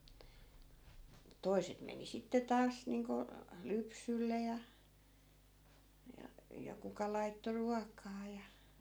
mutta toiset meni sitten taas niin kuin lypsylle ja ja ja kuka laittoi ruokaa ja